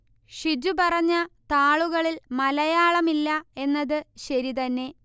ഷിജു പറഞ്ഞ താളുകളിൽ മലയാളമില്ല എന്നത് ശരി തന്നെ